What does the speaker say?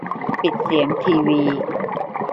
ปิดเสียงทีวี